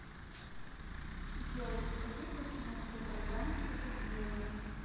джой скажи почему все программы закодированы